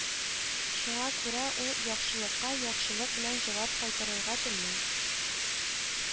Шуңа күрә ул яхшылыкка яхшылык белән җавап кайтарырга тели